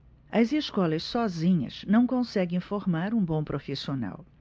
as escolas sozinhas não conseguem formar um bom profissional